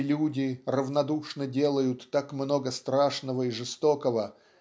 и люди равнодушно делают так много страшного и жестокого